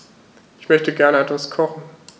Ich möchte gerne etwas kochen.